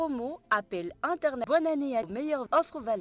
Pi an ne mɛ'